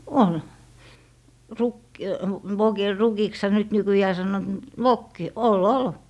oli - vokilla rukiksihan nyt nykyään sanovat mutta vokki oli oli